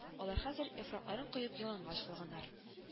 Алар хәзер яфракларын коеп ялангач калганнар